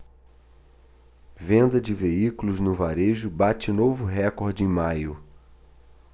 venda de veículos no varejo bate novo recorde em maio